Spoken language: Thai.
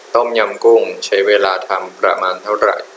ต้มยำกุ้งใช้เวลาทำประมาณเท่าไหร่